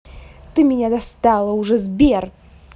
ты меня достала уже сбер